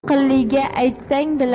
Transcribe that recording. aqlliga aytsang biladi